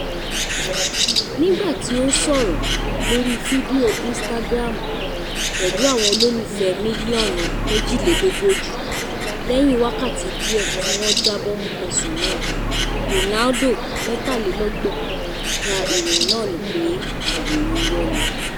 Nígbà tí ó ń sọ̀rọ̀ lórí Fídíò Instagram pẹ̀lú àwọn olólùfẹ́ míllíọ̀nù 142 lẹ́yìn wákàtí díẹ̀ tí wọ́n jábọ̀ ẹ̀sùn náà, Ronaldo, 33, dá ìròyìn náà nù pé “ìròyìn irọ́” ni.